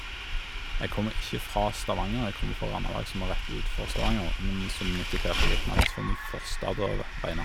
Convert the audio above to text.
Jeg kommer ikke fra Stavanger, jeg kommer fra Randaberg, som er rett utfor Stavanger, men som etter hvert er blitt nærmest som en forstad å re regne.